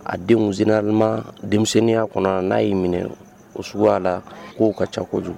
A deninama denmisɛnninya kɔnɔ n'a y'i minɛ o sugu a la k'ou ka cako kojugu